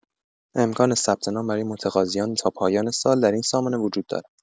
امکان ثبت‌نام برای متقاضیان تا پایان سال در این سامانه وجود دارد.